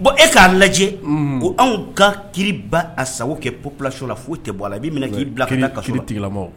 bɔn e k'a lajɛ ko anw ka kiba a sago kɛ pplasi la foyi tɛ bɔ a i minɛ k'i bila ka tigila